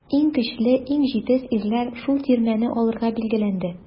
Иң көчле, иң җитез ирләр шул тирмәне алырга билгеләнде.